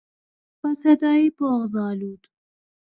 با صدایی بغض‌آلود